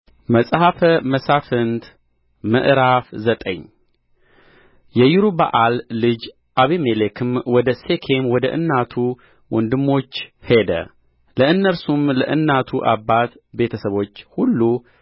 መጽሐፈ መሣፍንት ምዕራፍ ዘጠኝ የይሩበኣል ልጅ አቤሜሌክም ወደ ሴኬም ወደ እናቱ ወንድሞች ሄደ ለእነርሱም ለእናቱ አባት ቤተ ሰቦችም ሁሉ